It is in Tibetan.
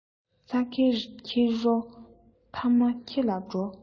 ཚྭ ཁའི ཁྱི རོ མཐའ མ ཁྱི ལ འགྲོ